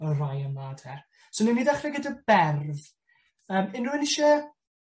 y rai yma 'te. So newn ni ddechre gyda berf. Yy unrywun isie